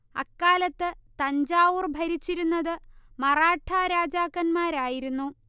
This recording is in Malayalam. അക്കാലത്ത് തഞ്ചാവൂർ ഭരിച്ചിരുന്നത് മറാഠാ രാജാക്കന്മാരായിരുന്നു